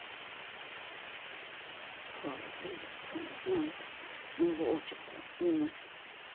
слава богу что она знает моего отчества имя